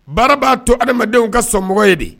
Baara b'a to adamadamadenw ka somɔgɔ ye de